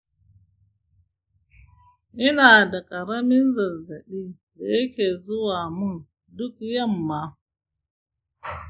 ina da ƙaramin zazzaɓi da yake zuwa mun duk yamma.